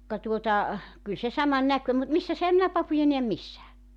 ka tuota kyllä se saman - mutta missäs enhän minä papuja näe missään